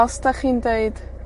os 'dach chi'n deud